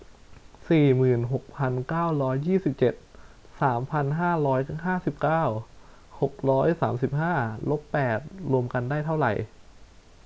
สี่หมื่นหกพันเก้าร้อยยี่สิบเจ็ดสามพันห้าร้อยห้าสิบเก้าหกร้อยสามสิบห้าลบแปดรวมกันได้เท่าไหร่